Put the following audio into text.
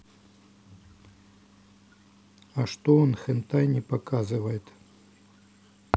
а что он хентай не показывает